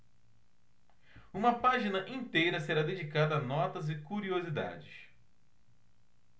uma página inteira será dedicada a notas e curiosidades